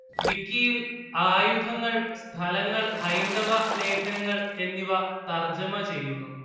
വിക്കിയില്‍ ആയുധങ്ങള്‍ സ്ഥലങ്ങള്‍ ഹൈന്ദവ ലേഖനങ്ങള്‍ എന്നിവ തര്‍ജ്ജമ ചെയ്യുന്നു